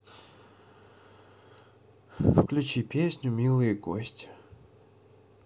включи песню милые кости